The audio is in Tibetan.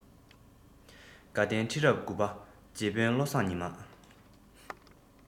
དགའ ལྡན ཁྲི རབས དགུ བ རྗེ དཔོན བློ བཟང ཉི མ